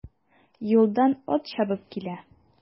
Юлдан ат чабып килә.